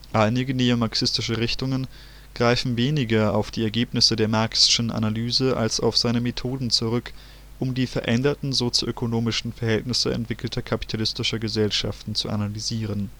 Einige neomarxistische Richtungen greifen weniger auf die Ergebnisse der Marx'schen Analyse als auf seine Methoden zurück, um die veränderten sozioökonomischen Verhältnisse entwickelter kapitalistischer Gesellschaften zu analysieren